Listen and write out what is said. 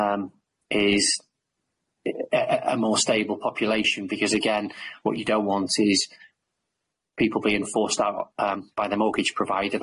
um is a more stable population because again what you don't want is people being forced out by their mortgage provider,